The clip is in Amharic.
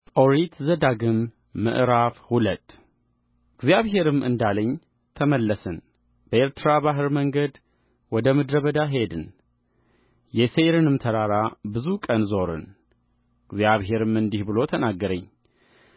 ኦሪት ዘዳግም ምዕራፍ ሁለት እግዚአብሔርም እንዳለኝ ተመልሰን በኤርትራ ባሕር መንገድ ወደ ምድረ በዳ ሄድን የሴይርንም ተራራ ብዙ ቀን ዞርንእግዚአብሔርም እንዲህ ብሎ ተናገረኝ